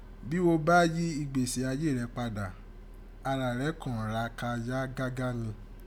Bí wo bá yí ìgbésí ayé rẹ dà, ara rẹ kàn ra ka yá gágá rin.